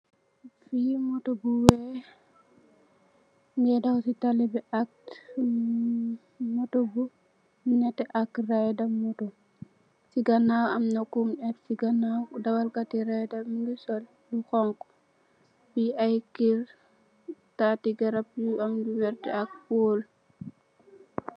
Fee motor bu weex mugeh daw se talih be ak motor bu neteh am rayda motor se ganaw amna kum eb se ganaw dawal kate rayda be muge sol lu xonxo fee aye kerr tate garab yu am lu werta ak pole.